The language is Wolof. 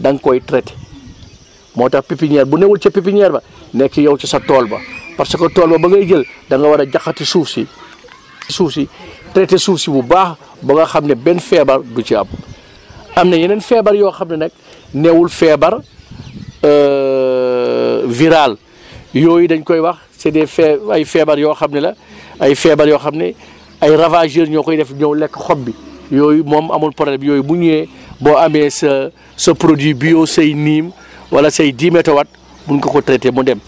da nga koy traité moo tax pépinière bu newul ca pépinière ba nekk yow sa tool ba parce que tool ba ba ngay jël da nga war a jaqati suuf si suuf si traité suuf si bu baax ba nga xam ne benn feebar du ci am am na yeneen feebar yoo xam ne nag newul feebar virale yooyu dañ koy wax c' est des faits ay feebar yoo xam ni la ay feebar yoo xam ne ay ravageurs ñoo koy def ñëw lekk xob bi yooyu moom amul problème yooyu bu ñu ñëwee boo amee sa sa produit bioceinime wala say dimhetawat mun nga ko traité mu dem